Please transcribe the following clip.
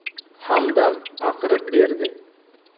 hamdam baqirib dedi